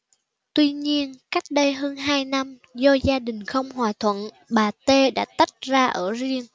tuy nhiên cách đây hơn hai năm do gia đình không hòa thuận bà t đã tách ra ở riêng